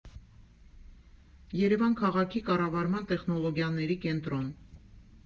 Երևան քաղաքի կառավարման տեխնոլոգիաների կենտրոն։